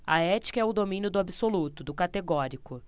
a ética é o domínio do absoluto do categórico